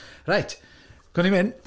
Reit, co ni'n mynd.